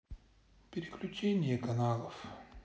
переключение каналов